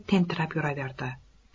tentirab yuraverdi